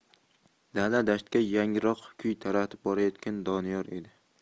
dala dashtga yangroq kuy taratib borayotgan doniyor edi